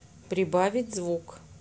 прибавить звук